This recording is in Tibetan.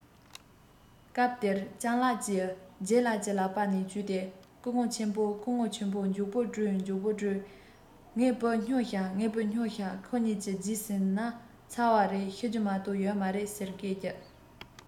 སྐབས དེར སྤྱང ལགས ཀྱིས ལྗད ལགས ཀྱི ལག པ ནས ཇུས ཏེ སྐུ ངོ ཆེན མོ སྐུ ངོ ཆེན མོ མགྱོགས པོ བྲོས མགྱོགས པོ བྲོས ངའི བུ སྨྱོ བཞག ངའི བུ སྨྱོ བཞག ཁོས ང གཉིས ཀྱི རྗེས ཟིན ན ཚར བ རེད ཤི རྒྱུ མ གཏོགས ཡོད མ རེད ཟེར སྐད རྒྱབ